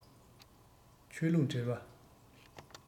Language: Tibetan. ཆོས ལུགས འབྲེལ བ